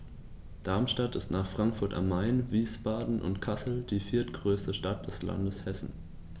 Darmstadt ist nach Frankfurt am Main, Wiesbaden und Kassel die viertgrößte Stadt des Landes Hessen